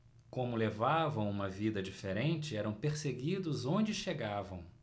como levavam uma vida diferente eram perseguidos onde chegavam